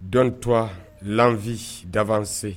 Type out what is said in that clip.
Dɔn tun fin dasen